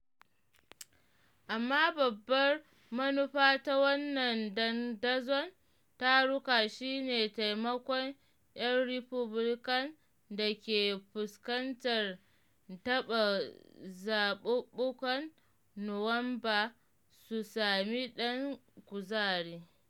Amma babbar manufa ta wannan dandazon taruka shi ne taimakon ‘yan Republican da ke fuskantar taɓa zaɓuɓɓukan Nuwamba su sami ɗan kuzari.